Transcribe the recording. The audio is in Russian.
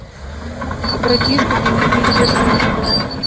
братишка дивизия дзержинского